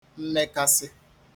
mmekāsī